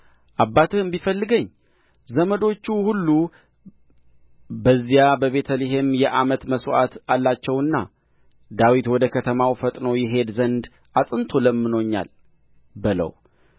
አባትህም ቢፈልገኝ ለዘመዶቹ ሁሉ በዚያ በቤተ ልሔም የዓመት መሥዋዕት አላቸውና ዳዊት ወደ ከተማው ፈጥኖ ይሄድ ዘንድ አጽንቶ ለምኖኛል በለው